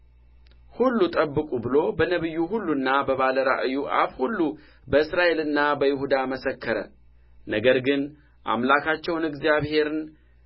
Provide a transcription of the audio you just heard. ሁሉ ጠብቁ ብሎ በነቢዩ ሁሉና በባለ ራእዩ አፍ ሁሉ በእስራኤልና በይሁዳ መሰከረ ነገር ግን አምላካቸውን እግዚአብሔርን